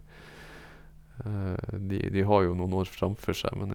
de De har jo noen år framfor seg, men...